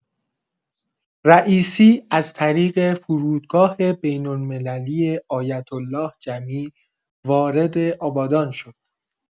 رئیسی از طریق فرودگاه بین‌المللی آیت‌الله جمی وارد آبادان شد.